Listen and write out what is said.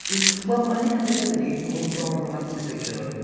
W- wel ma' hynna'n beth hefyd dydi? 'Di pobl yn gor-romantaseisio fo?